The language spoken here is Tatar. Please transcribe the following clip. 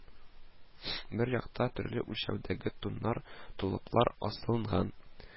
Бер якта төрле үлчәүдәге туннар, толыплар асылынган